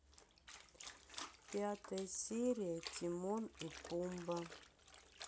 пятая серия тимон и пумба